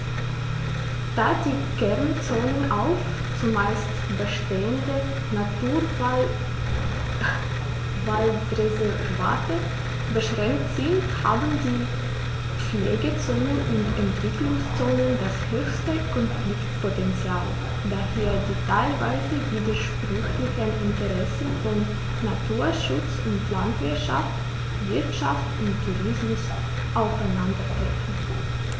Da die Kernzonen auf – zumeist bestehende – Naturwaldreservate beschränkt sind, haben die Pflegezonen und Entwicklungszonen das höchste Konfliktpotential, da hier die teilweise widersprüchlichen Interessen von Naturschutz und Landwirtschaft, Wirtschaft und Tourismus aufeinandertreffen.